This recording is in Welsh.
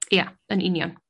Ia yn union.